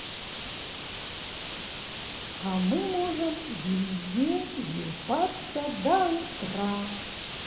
а мы можем везде ебаться до утра